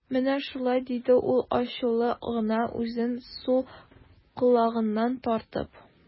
Менә шулай, - диде ул ачулы гына, үзен сул колагыннан тартып.